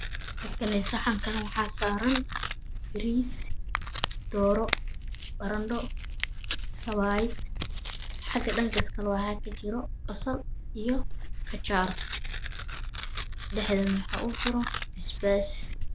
Saxankan waxaa saaran bariis dooro barandho sabaayad xaga dhankas kale waxaa kajiro basal iyo qajaar dhexdana waxaa kujiro bas baas